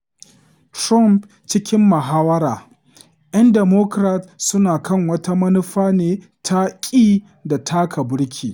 Trump cikin mahawara ‘yan Democrat suna kan wata manufa ne ta “ƙi da taka burki.”